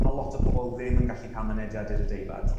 Ma' lot o pobol ddim yn gallu ca'l mynediad i'r adeilad.